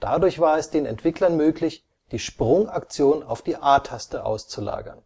Dadurch war es den Entwicklern möglich, die Sprung-Aktion auf die A-Taste auszulagern